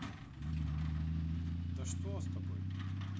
да что с тобой